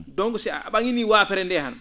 donc si a ?a?ii nii waapere ndee han